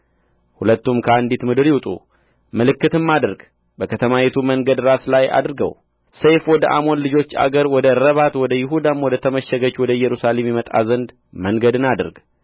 ሁለቱም ከአንዲት ምድር ይውጡ ምልክትም አድርግ በከተማይቱ መንገድ ራስ ላይ አድርገው ሰይፍ ወደ አሞን ልጆች አገር ወደ ረባት ወደ ይሁዳም ወደ ተመሸገች ወደ ኢየሩሳሌም ይመጣ ዘንድ መንገድን አድርግ